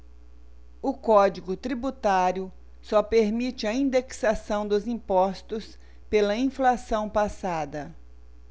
o código tributário só permite a indexação dos impostos pela inflação passada